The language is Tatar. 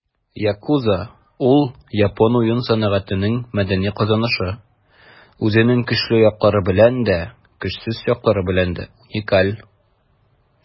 Yakuza - ул япон уен сәнәгатенең мәдәни казанышы, үзенең көчле яклары белән дә, көчсез яклары белән дә уникаль.